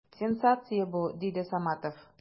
Сенсация бу! - диде Саматов.